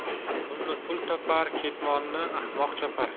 pulni pul topar ketmonni ahmoq chopar